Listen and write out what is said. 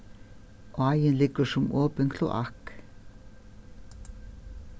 áin liggur sum opin kloakk